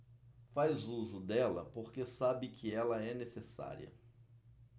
faz uso dela porque sabe que ela é necessária